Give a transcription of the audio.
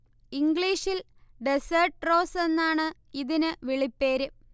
ഇംഗ്ലീഷിൽ 'desert rose' എന്നാണ് ഇതിനു വിളിപ്പേര്